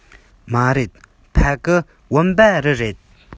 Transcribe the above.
མ རེད ཕ གི བུམ པ རི རེད